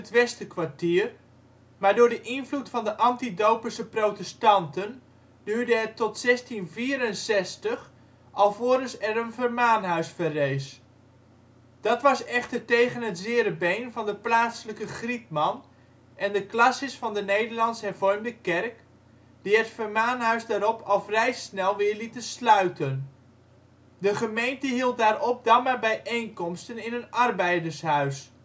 Westerkwartier, maar door de invloed van de anti-doperse protestanten duurde het tot 1664 alvorens er een vermaanhuis verrees. Dat was echter tegen het zere been van de plaatselijke grietman en de classis van de Nederlands-hervormde Kerk, die het vermaanhuis daarop al vrij snel weer lieten sluiten. De gemeente hield daarop dan maar bijeenkomsten in een arbeidershuis